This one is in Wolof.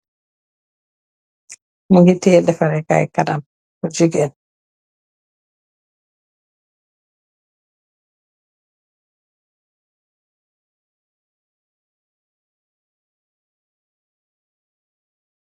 Muge teye defare Kay kanam jegain.